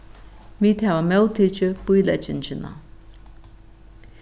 vit hava móttikið bíleggingina